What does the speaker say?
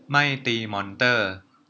ไม่ตีมอนเตอร์